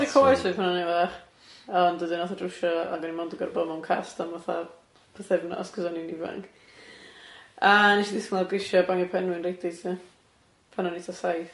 Nesh i dorri coes fi pan o'n i'n fach a ond wedyn nath o drwsio ac o'n i ond yn goro bod mewn cast am fatha pythefnos cos o'n i'n ifanc a nes i disgyn lawr grisia bangio pen fi'n radiator pan o'n i t'a saith.